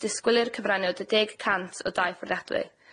disgwylir cyfraniad o deg y cant o dai fforddiadwy.